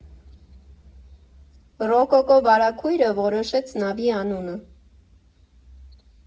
Ռոկոկո վարագույրը որոշեց նավի անունը։